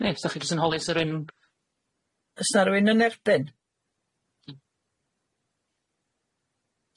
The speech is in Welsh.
Ne' sa chi jyst yn holi s'yrwun. Ys na rywun yn erbyn?